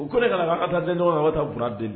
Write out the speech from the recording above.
U ko ne ka ka taa den ɲɔgɔn an ka taa b barad